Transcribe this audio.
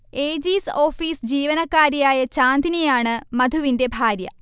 AG's office ജീവനക്കാരിയായ ചാന്ദ്നിയാണ് മധുവിന്റെ ഭാര്യ